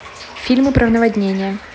фильмы про наводнения